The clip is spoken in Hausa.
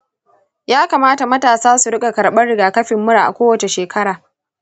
ya kamata matasa su riƙa karɓar rigakafin mura a kowace shekara?